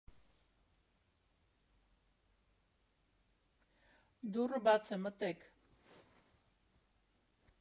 Դուռը բաց է, մտե՛ք։